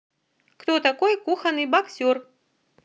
кто такой кухонный боксер